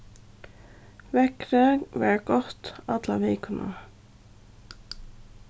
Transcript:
veðrið var gott alla vikuna